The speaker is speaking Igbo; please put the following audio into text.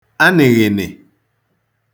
anịghịnị